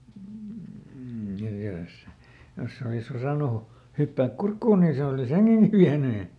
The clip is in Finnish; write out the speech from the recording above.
ja jos jos se olisi osannut hypätä kurkkuun niin se olisi hengenkin vienyt